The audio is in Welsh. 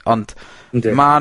...ond ... Yndyn. ...ma'